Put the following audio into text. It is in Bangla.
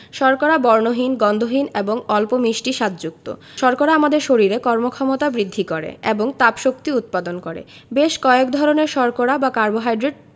শর্করা বর্ণহীন গন্ধহীন এবং অল্প মিষ্টি স্বাদযুক্ত শর্করা আমাদের শরীরে কর্মক্ষমতা বৃদ্ধি করে এবং তাপশক্তি উৎপাদন করে বেশ কয়েক ধরনের শর্করা বা কার্বোহাইড্রেট